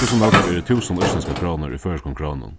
hvussu nógv eru túsund íslendskar krónur í føroyskum krónum